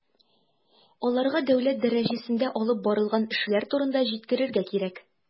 Аларга дәүләт дәрәҗәсендә алып барылган эшләр турында җиткерергә кирәк.